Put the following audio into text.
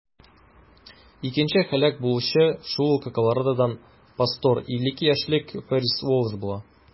Икенче һәлак булучы шул ук Колорадодан пастор - 52 яшьлек Пэрис Уоллэс була.